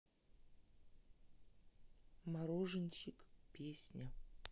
мороженщик песня